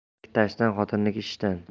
erniki tashdan xotinniki ichdan